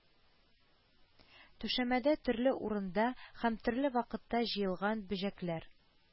Түшәмәдә төрле урында һәм төрле вакытта җыелган бөҗәкләр